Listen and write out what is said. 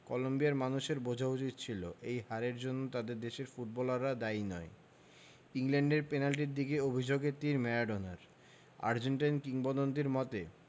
কলম্বিয়ার মানুষের বোঝা উচিত ছিল এই হারের জন্য তাদের দেশের ফুটবলাররা দায়ী নয় ইংল্যান্ডের পেনাল্টির দিকে অভিযোগের তির ম্যারাডোনার আর্জেন্টাইন কিংবদন্তির মতে